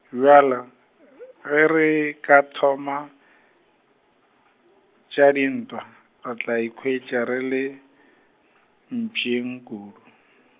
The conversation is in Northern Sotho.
bjala , ge re ka thoma, tša dintwa, re tla ikhwetša re le, mpšeng kudu.